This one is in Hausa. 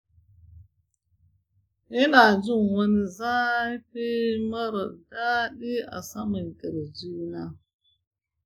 ina jin wani zafi mara daɗi a saman ƙirji na.